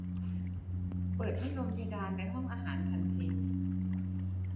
เปิดพัดลมเพดานในห้องอาหารทันที